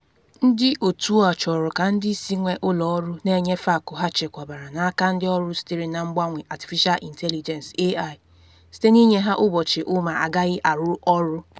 Ndị otu a chọrọ ka ndị isi nwe ụlọ ọrụ na-enyefe akụ ha chekwabara n’aka ndị ọrụ siterena mgbanwe artificial intelligence (AI) site na inye ha ụbọchị ụma agaghị arụ ọrụ.